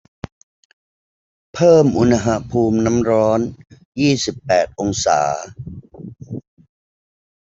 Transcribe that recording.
เพิ่มอุณหภูมิน้ำร้อนยี่สิบแปดองศา